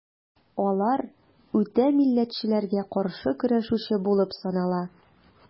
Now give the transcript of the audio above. Алар үтә милләтчеләргә каршы көрәшүче булып санала.